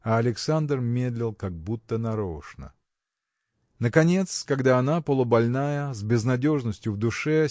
А Александр медлил, как будто нарочно. Наконец когда она полубольная с безнадежностью в душе